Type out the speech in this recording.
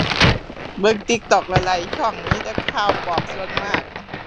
เบิ่ง TikTok หลายหลายช่องมีแต่ข่าวปลอมส่วนมาก